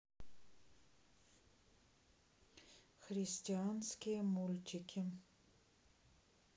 христианские мультики